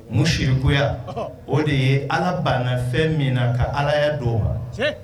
Mu sirikuya o de ye ala bannafɛn min na ka alaya don ma